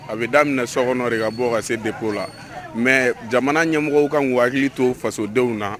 A bɛ daminɛ sokɔnɔ de ka bɔ ka se de'o la mɛ jamana ɲɛmɔgɔ ka wa hakili t' fasodenw na